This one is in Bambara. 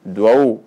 Du